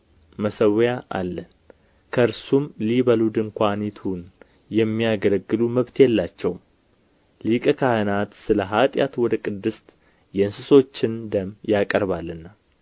መሠዊያ አለን ከእርሱም ሊበሉ ድንኳኒቱን የሚያገለግሉ መብት የላቸውም ሊቀ ካህናት ስለ ኃጢአት ወደ ቅድስት የእንስሶችን ደም ያቀርባልና